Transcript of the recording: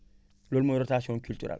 loolu mooy rotation culturale